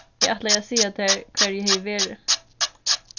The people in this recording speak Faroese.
eg ætlaði at siga tær hvar eg hevði verið